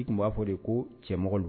Ii tun b'a fɔ de ko cɛmɔgɔ don